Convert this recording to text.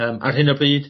yym ar hyn o bryd